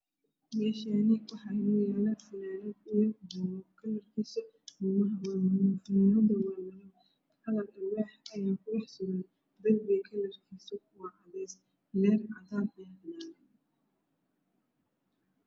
Meshani waxa ino yalo fananad io bomo kalakis bomad waa madow fananda waa madow kalar alwax aya kudhex suran darbiga kalarkis waa cades leer cadan ah aya kadaran